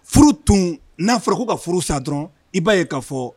Furu tun n'a fɔra ko ka furu sa dɔrɔn i b'a ye k'a fɔ